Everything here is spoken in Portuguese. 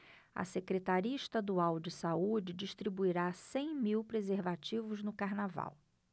a secretaria estadual de saúde distribuirá cem mil preservativos no carnaval